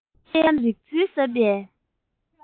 བསམ པའི རིག ཚུལ ཟབ པའི